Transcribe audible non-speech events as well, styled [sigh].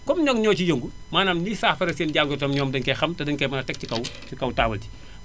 comme nag ñoo ciy yëngu maanaam liy [noise] saafara seen jagaro ñoom dañu koy xam te dañu koy mën a teg ci kaw [noise] ci kaw table ji moo tax